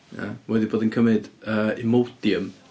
ia, wedi bod yn cymryd yy Immodium.